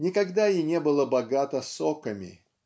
никогда и не было богато соками